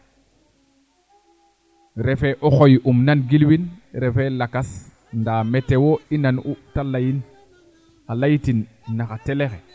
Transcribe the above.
refee o xooy im nan gilwin refee lakas ndaa meteo i nan u te leyin a ley tina naxa tele xe